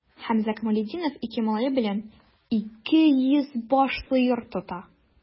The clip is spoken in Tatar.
Хәмзә Камалетдинов ике малае белән 200 баш сыер тота.